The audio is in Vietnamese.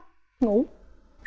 ngủ